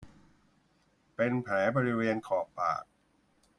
เป็นแผลบริเวณขอบปาก